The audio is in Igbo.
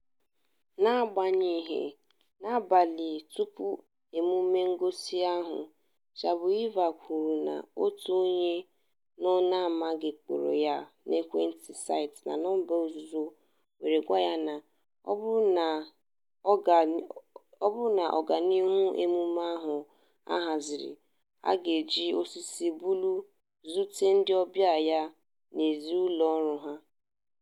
N'agbanyeghị, n'abalị tupu emume ngosi ahụ, Shabuyeva kwuru na otu onye ọ n'amaghị kpọrọ ya n'ekwentị site na nọmba nzuzo were gwa ya na ọ bụrụ na ọ ga n'ihu n'emume ahụ a haziri, a ga-eji osisi bọọlụ zute ndịọbịa ya n'èzí ụlọọrụ ya.